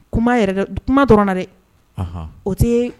Kuma kuma dɔrɔn na dɛ o tɛ